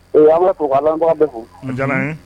Ee an b'aw fo k'a lamɛbagaw bɛɛ fo o jal'an ye unhun